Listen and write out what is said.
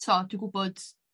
t'o' dwi'n gwybod